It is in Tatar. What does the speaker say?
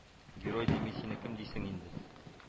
Герой дими сине кем дисең инде